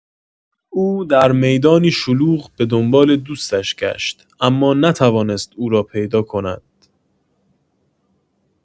او در می‌دانی شلوغ به دنبال دوستش گشت، اما نتوانست او را پیدا کند.